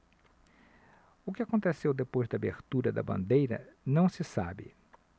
o que aconteceu depois da abertura da bandeira não se sabe